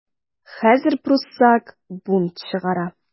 Хәзер пруссак бунт чыгара.